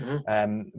Hhm. Yym